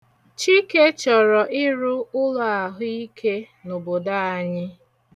Chike chọrọ ịrụ ụlọahụike n'obodo anyị.